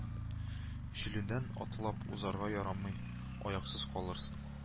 Җиледән атлап узарга ярамый - аяксыз калырсың